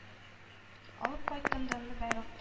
Алып кайттым данлы байракта